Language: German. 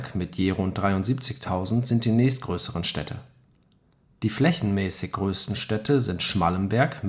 73.784 Einwohner) sind die nächstgrößeren Städte. Die flächenmäßig größten Städte sind Schmallenberg